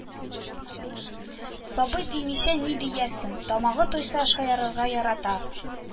Сабый димичә ни диярсең, тамагы туйса шаярырга ярата